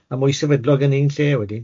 A mwy sefydlog yn un lle wedyn.